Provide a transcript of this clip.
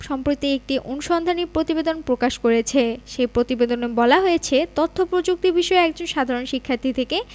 সম্প্রতি একটি অনুসন্ধানী প্রতিবেদন প্রকাশ করেছে সেই প্রতিবেদনে বলা হয়েছে তথ্যপ্রযুক্তি বিষয়ের একজন সাধারণ শিক্ষার্থী থেকে